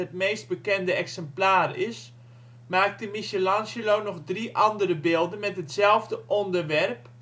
meest bekende exemplaar is, maakte Michelangelo nog drie andere beelden met hetzelfde onderwerp